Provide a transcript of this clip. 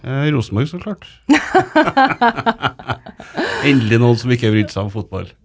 Rosenborg så klart endelig noen som ikke brydde seg om fotball.